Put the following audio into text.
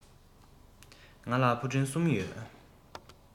ང ལ ཕུ འདྲེན གསུམ ཡོད